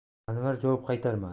anvar javob qaytarmadi